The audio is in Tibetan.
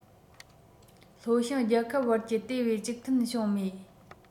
ལྷོ བྱང རྒྱལ ཁབ བར གྱི དེ བས གཅིག མཐུན བྱུང མེད